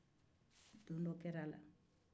kabini o kɛra a la